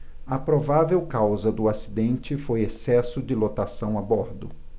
a provável causa do acidente foi excesso de lotação a bordo